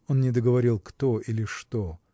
" Он не договорил: кто или что.